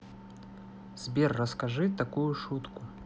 сбер расскажи такую шутку